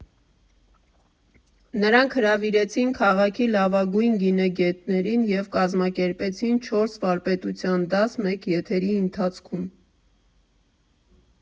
Նրանք հրավիրեցին քաղաքի լավագույն գինեգետներին և կազմակերպեցին չորս վարպետության դաս մեկ եթերի ընթացքում։